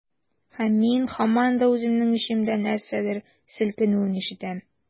Һәм мин һаман да үземнең эчемдә нәрсәдер селкенүен ишетәм.